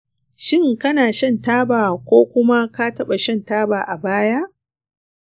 shin kana shan taba ko kuma ka taɓa shan taba a baya?